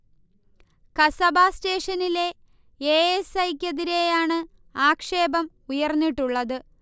കസബ സ്റ്റേഷനിലെ A. S. I. ക്ക് എതിരെയാണ് ആക്ഷേപം ഉയർന്നിട്ടുള്ളത്